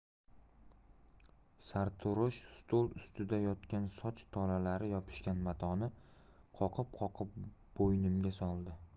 sartarosh stol ustida yotgan soch tolalari yopishgan matoni qoqib qoqib bo'ynimga soldi